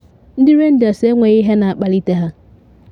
Ndị Rangers enweghị ihe na akpalite ha.